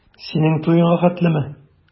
Синең туеңа хәтлеме?